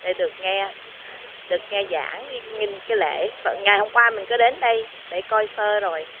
để được nghe được nghe giảng nghinh nghinh cái lễ ngày hôm qua mình có đến đây để coi sơ rồi